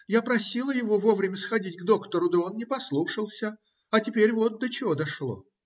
Я просила его вовремя сходить к доктору, да он не послушался, а теперь вот до чего дошло.